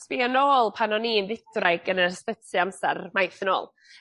Sbïa nôl pan o'n ni yn fydwraig yn yr ysbyty amser maith yn ôl